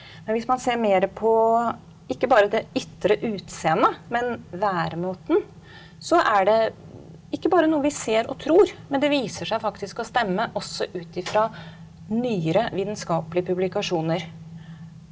men hvis man ser mere på ikke bare det ytre utseende men væremåten, så er det ikke bare noe vi ser og tror, men det viser seg faktisk å stemme også ut ifra nyere vitenskapelige publikasjoner.